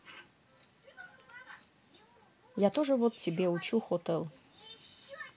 я тоже вот тебе учу hotel